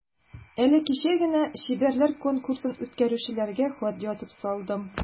Әле кичә генә чибәрләр конкурсын үткәрүчеләргә хат язып салдым.